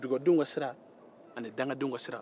dugawudenw ka sira ni dagandenw ka sira